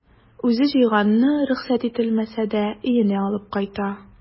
Үзе җыйганны рөхсәт ителмәсә дә өенә алып кайта.